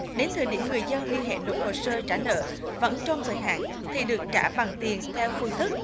đến thời điểm người dân liên hệ nộp hồ sơ trả nợ vẫn trong thời hạn thì được trả bằng tiền theo phương thức